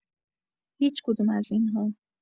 هیچ کدوم از این‌ها